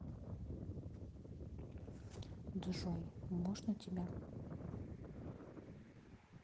джой можно тебя